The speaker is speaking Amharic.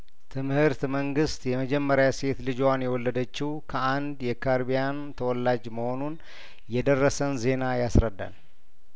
ትምህርት መንግስት የመጀመሪያ ሴት ልጇን የወለደችው ከአንድ የካርቢያን ተወላጅ መሆኑን የደረሰን ዜና ያስረዳል